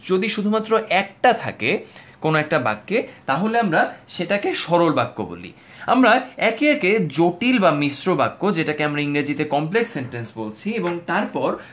যদি শুধুমাত্র একটা থাকে কোন একটা বাক্যে তাহলে আমরা সেটাকে সরল বাক্য বলি আমরা একে একে জটিল বা মিশ্র বাক্য যেটাকে আমরা ইংরেজিতে কমপ্লেক্স সেন্টেন্স বলছি এবং তারপর